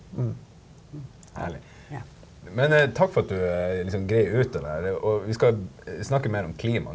herlig men takk for at du er liksom greier ut det der og vi skal snakke mer om klima.